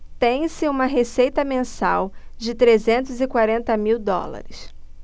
tem-se uma receita mensal de trezentos e quarenta mil dólares